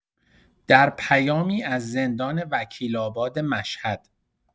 در پیامی از زندان وکیل‌آباد مشهد